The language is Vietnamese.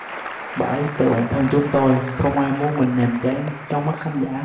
bởi tự bản thân chúng tôi không ai muốn mình nhàm chán trong mắt khán giả